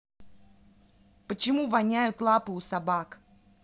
почему воняют лапы у собак